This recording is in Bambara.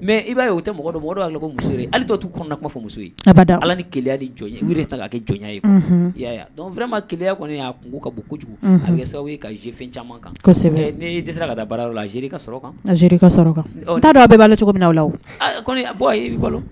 mɛ i b'a ye o tɛ mɔgɔ dɔn mɔgɔdɔ ya ko muso ye ale dɔ t'u kɔnɔ kuma fɔ muso ye a b' da ala ni keya ni jɔn ye yɛrɛ ta'a kɛ jɔnya ye dɔnma keleya kɔni y'a kun' ka bɔ kojugu a sababu ye kae caman kan n' dese ka taa baara la a z ka sɔrɔ kan z ka sɔrɔ kan'a dɔn a bɛɛ b'aala cogo min na la bolo